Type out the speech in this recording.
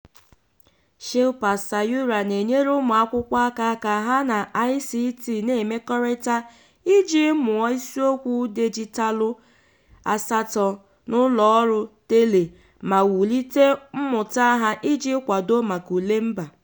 Shilpa Sayura na-enyere ụmụakwụkwọ aka ka ha na ICT na-emekọrịta iji mụọ isiokwu dijitalụ 8 n'ụlọọrụ tele ma wulite mmụta ha iji kwado maka ule mba.